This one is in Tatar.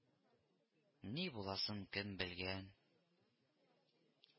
Ни буласын кем белгән